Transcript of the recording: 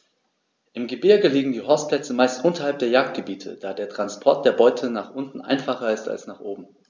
Im Gebirge liegen die Horstplätze meist unterhalb der Jagdgebiete, da der Transport der Beute nach unten einfacher ist als nach oben.